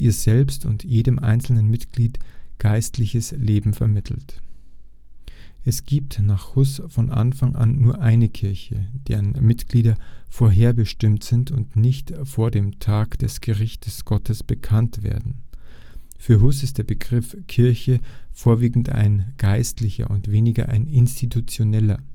selbst und jedem einzelnen Mitglied geistliches Leben vermittelt. Es gibt nach Hus von Anfang an nur eine Kirche, deren Mitglieder vorherbestimmt sind und nicht vor dem Tag des Gerichtes Gottes bekannt werden. Für Hus ist der Begriff Kirche vorwiegend ein geistlicher und weniger ein institutioneller